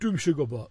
Dwi'm isio gwybod.